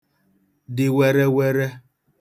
dị werewere